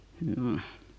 mm